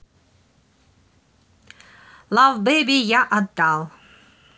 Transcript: love baby я отдал